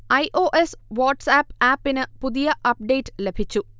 I. O. S WhatsApp ആപ്പിന് പുതിയ update ലഭിച്ചു